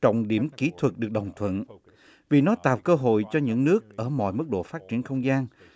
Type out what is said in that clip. trọng điểm kỹ thuật được đồng thuận vì nó tạo cơ hội cho những nước ở mọi mức độ phát triển không gian